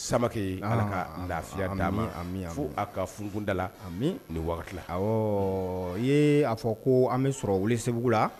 Samake Ala ka lafiya d'a ma, amin amin, fo a ka furukun da la nin wagati la, awɔ, i ye a fɔ ko an bɛ sɔrɔ Welesebugu la